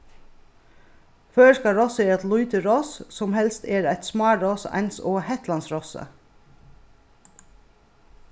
føroyska rossið er eitt lítið ross sum helst er eitt smáross eins og hetlandsrossið